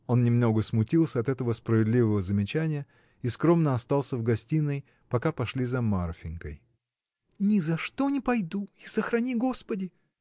Он немного смутился от этого справедливого замечания и скромно остался в гостиной, пока пошли за Марфинькой. — Ни за что не пойду! И сохрани Господи!